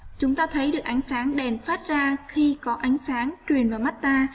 chúng ta thấy được ánh sáng đèn phát ra khi có ánh sáng truyền vào mắt ta